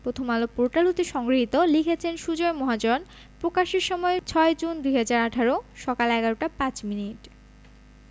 Prothom Alo portal হতে সংগৃহীত লিখেছেন সুজয় মহাজন প্রকাশের সময় ৬জুন ২০১৮ সকাল ১১টা ৫ মিনিট